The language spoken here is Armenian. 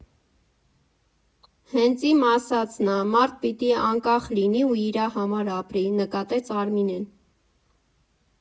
Հենց իմ ասածն ա՝ մարդ պիտի անկախ լինի ու իրա համար ապրի, ֊ նկատեց Արմինեն։